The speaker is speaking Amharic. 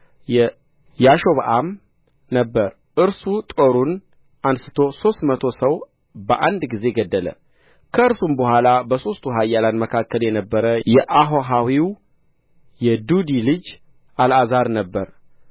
ያሾብአም ነበረ እርሱ ጦሩን አንሥቶ ሦስት መቶ ሰው በአንድ ጊዜ ገደለ ከእርሱም በኋላ በሦስቱ ኃያላን መካከል የነበረ የአሆሃሂው የዱዲ ልጅ አልዓዛር ነበር